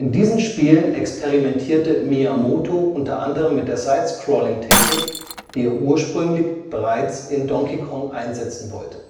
diesen Spielen experimentierte Miyamoto unter anderem mit der Side-Scrolling-Technik, die er ursprünglich bereits in Donkey Kong einsetzen wollte